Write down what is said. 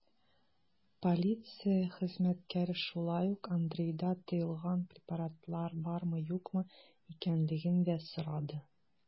Полиция хезмәткәре шулай ук Андрейда тыелган препаратлар бармы-юкмы икәнлеген дә сорады.